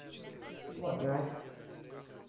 помогать